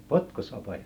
potkosapaja